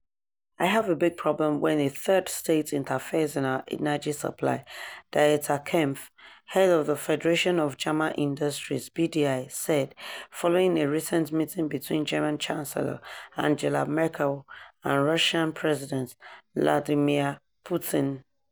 "I have a big problem when a third state interferes in our energy supply," Dieter Kempf, head of the Federation of German Industries (BDI) said following a recent meeting between German Chancellor Angela Merkel and Russian President Vladimir Putin.